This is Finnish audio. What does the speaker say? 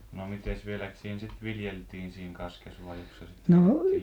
no mitenkäs vieläkös siinä sitten viljeltiin siinä kaskessa vai jokos se sitten jätettiin